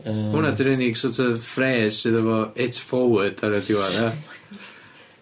Hwnna 'di'r unig sort of phrês sydd efo it forward ar y diwedd ia.